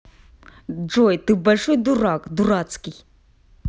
джой ты большой дурак дурацкий